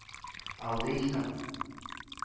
Алдыйсың